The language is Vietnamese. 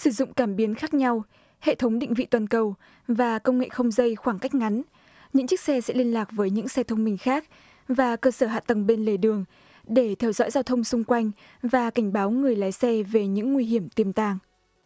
sử dụng cảm biến khác nhau hệ thống định vị toàn cầu và công nghệ không dây khoảng cách ngắn những chiếc xe sẽ liên lạc với những xe thông minh khác và cơ sở hạ tầng bên lề đường để theo dõi giao thông xung quanh và cảnh báo người lái xe về những nguy hiểm tiềm tàng